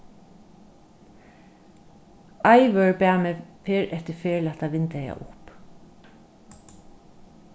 eivør bað meg ferð eftir ferð lata vindeygað upp